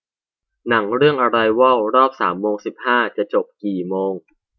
หนังเรื่องอะไรวอลรอบสามโมงสิบห้าจะจบกี่โมง